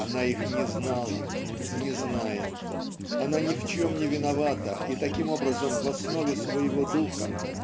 она их не знала, не знает, она ни в чем не виновата и таким образом в основе своего духа